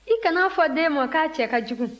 i kana a fɔ den ma k'a cɛ ka jugu